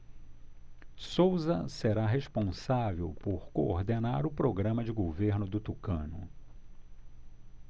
souza será responsável por coordenar o programa de governo do tucano